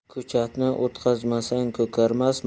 ko'chatni o'tqazmasang ko'karmas